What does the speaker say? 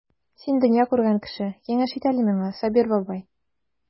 Син дөнья күргән кеше, киңәш ит әле миңа, Сабир бабай.